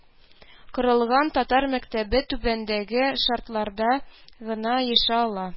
Корылган татар мәктәбе түбәндәге шартларда гына оеша ала: